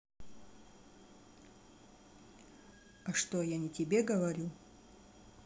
а что я не тебе говорю